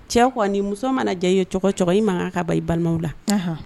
Cɛ kɔnni, muso mana ja i ye cogo cogo. i ma kan ka ban i balimaw la